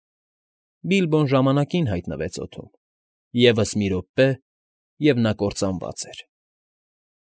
Բիլբոն ժամանակին հայտնվեց օդում. ևս մի րոպե, և նա կործանված էր։